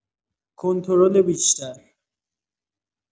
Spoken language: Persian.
کنترل بیشتر